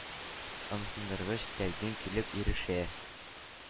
Ымсындыргыч тәкъдим килеп ирешә.